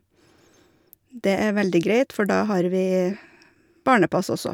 Det er veldig greit, for da har vi barnepass også.